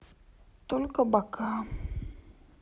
только бока